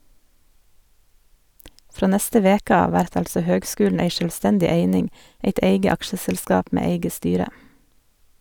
Frå neste veke av vert altså høgskulen ei sjølvstendig eining, eit eige aksjeselskap med eige styre.